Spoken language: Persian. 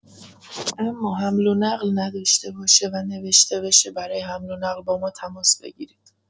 اما حمل و نقل نداشته باشه و نوشته بشه برای حمل و نقل با ما تماس بگیرید.